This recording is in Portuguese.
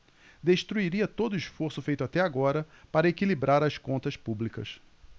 destruiria todo esforço feito até agora para equilibrar as contas públicas